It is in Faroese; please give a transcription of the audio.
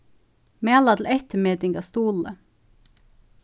mæla til eftirmeting av stuðli